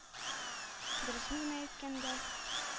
Дөресен генә әйткәндә,